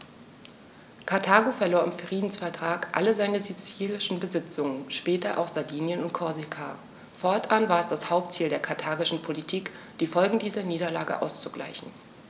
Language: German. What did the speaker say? Karthago verlor im Friedensvertrag alle seine sizilischen Besitzungen (später auch Sardinien und Korsika); fortan war es das Hauptziel der karthagischen Politik, die Folgen dieser Niederlage auszugleichen.